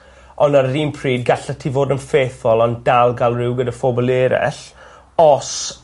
ond ar yr un pryd gallet ti fod yn ffethful ond dal ga'l ryw gyda phobol eryll os